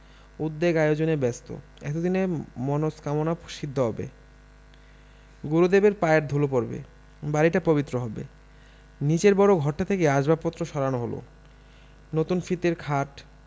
উদ্যোগ আয়োজনে ব্যস্ত এতদিনে মনস্কামনা সিদ্ধ হবে গুরুদেবের পায়ের ধুলো পড়বে বাড়িটা পবিত্র হয়ে যাবে নীচের বড় ঘরটা থেকে আসবাবপত্র সরানো হলো নতুন ফিতের খাট